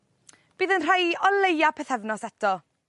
bydd 'yn rhai i o leia pythefnos eto.